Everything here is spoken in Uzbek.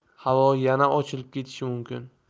havo yana ochilib ketishi mumkin